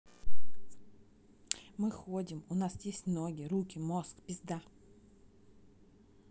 мы ходим у нас есть ноги руки мозг пизда